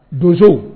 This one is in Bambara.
Donsow